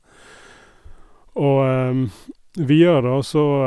Og videre, da, så...